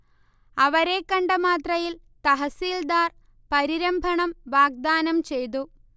അവരെ കണ്ട മാത്രയിൽ തഹസീൽദാർ പരിരംഭണം വാഗ്ദാനം ചെയ്തു